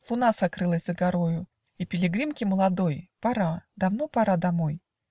Луна сокрылась за горою, И пилигримке молодой Пора, давно пора домой.